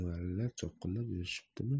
nevaralar chopqillab yurishibdimi